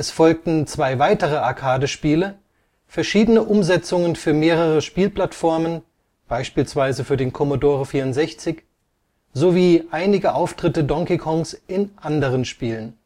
folgten zwei weitere Arcade-Spiele, verschiedene Umsetzungen für mehrere Spieleplattformen (beispielsweise für den Commodore 64) sowie einige Auftritte Donkey Kongs in anderen Spielen